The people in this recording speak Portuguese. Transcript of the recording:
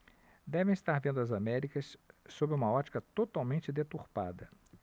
devem estar vendo as américas sob uma ótica totalmente deturpada